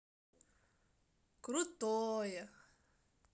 крутое